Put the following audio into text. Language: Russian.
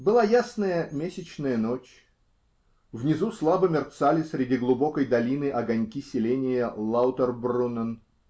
Была ясная месячная ночь. Внизу слабо мерцали среди глубокой долины огоньки селения Лаутербруннен